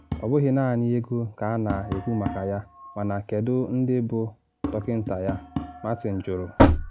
“Ọ bụghị naanị ego ka a na ekwu maka ya, mana kedu ndị bụ dọkịnta ya?” Martin jụrụ.